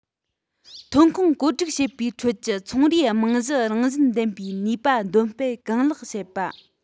ཐོན ཁུངས བཀོད སྒྲིག བྱེད པའི ཁྲོད ཀྱི ཚོང རའི རྨང གཞིའི རང བཞིན ལྡན པའི ནུས པ འདོན སྤེལ གང ལེགས བྱེད པ